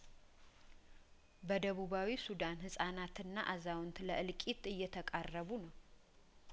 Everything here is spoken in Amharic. በደቡባዊ ሱዳን ህጻናትና አዛውንት ለእልቂት እየተቃረቡ ነው